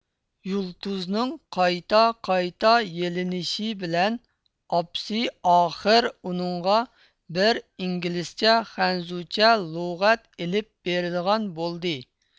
يۇلتۇزنىڭ قايتا قايتا يېلىنىشى بىلەن ئاپىسى ئاخىر ئۇنىڭغا بىر ئىنگلىزچە خەنزۇچە لۇغەت ئېلىپ بېرىدىغان بولدى